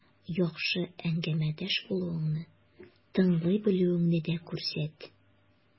Яхшы әңгәмәдәш булуыңны, тыңлый белүеңне дә күрсәт.